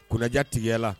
Kunnadiya tigiya la